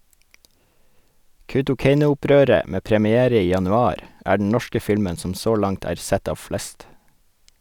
Kautokeinoopprøret, med première i januar, er den norske filmen som så langt er sett av flest.